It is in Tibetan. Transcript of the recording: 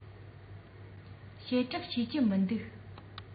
ཞེ དྲགས ཤེས ཀྱི མི འདུག